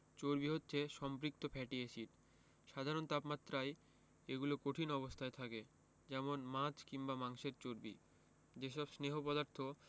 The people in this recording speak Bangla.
চর্বি হচ্ছে সম্পৃক্ত ফ্যাটি এসিড সাধারণ তাপমাত্রায় এগুলো কঠিন অবস্থায় থাকে যেমন মাছ কিংবা মাংসের চর্বি যেসব স্নেহ পদার্থ